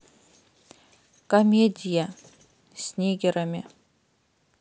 комедия с нигерами